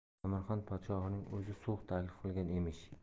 samarqand podshohining o'zi sulh taklif qilgan emish